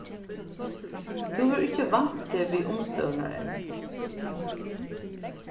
tú hevur ikki vant teg við umstøðurnar enn